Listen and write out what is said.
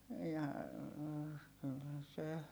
ja kyllä se